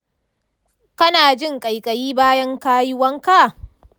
kana jin ƙaiƙayi bayan ka yi wanka?